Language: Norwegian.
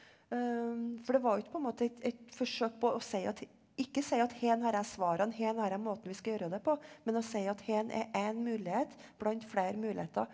for det var jo ikke på en måte et et forsøk på å si at ikke si at her har jeg svarene, her er måten vi skal gjøre det på, men å si at dette er én mulighet blant flere muligheter.